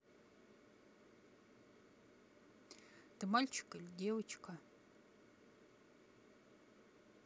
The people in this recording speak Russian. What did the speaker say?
ты мальчик или девочка